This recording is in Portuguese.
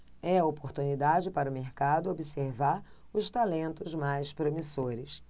é a oportunidade para o mercado observar os talentos mais promissores